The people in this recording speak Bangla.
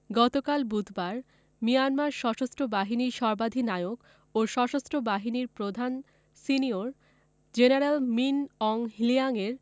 গতকাল বুধবার মিয়ানমার সশস্ত্র বাহিনীর সর্বাধিনায়ক ও সশস্ত্র বাহিনীর প্রধান সিনিয়র জেনারেল মিন অং হ্লিয়াংয়ের